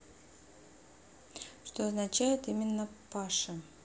что означает именно паша